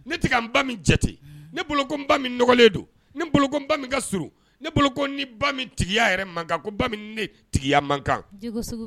Ne tɛ ka n ba min jate, ne bolo ko n ba min nɔgɔlen don, ne bolo ko n ba min ka surun, ne bolo ko n ni ba min tigiya yɛrɛ man kan ko ba min ni ne tigiya man kan, jugusugu